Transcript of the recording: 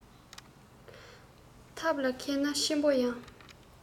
ཐབས ལ མཁས ན ཆེན པོ ཡང